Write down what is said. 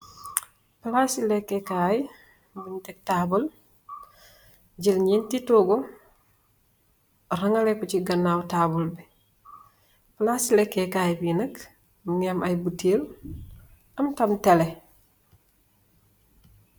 Palaasi lekkeh kai buñ tek tabull jél ñénti tohgu ragaleh ko ci ganaw tabull bi. Palaasi lekkeh kai bi nak mugii am ay butèèl am tam tele.